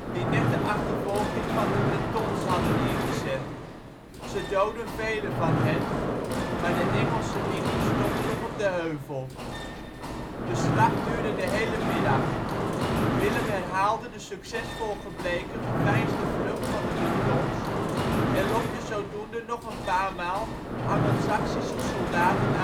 die net de achtervolging van de Bretons hadden ingezet. Ze doodden velen van hen, maar de Engelse linies stonden nog op de heuvel. De slag duurde de hele middag. Willem herhaalde de succesvol gebleken geveinsde vlucht van de Bretons en lokte zodoende nog een paar maal Angelsaksische soldaten